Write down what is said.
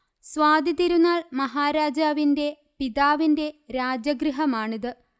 സ്വാതി തിരുനാൾ മഹാരാജാവിന്റെ പിതാവിന്റെ രാജഗൃഹമാണിത്